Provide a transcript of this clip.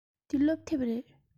འདི སློབ དེབ རེད